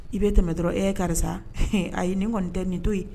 I bɛ tɛmɛ dɔrɔn e ye karisa ayi ye nin kɔni tɛ nin to ye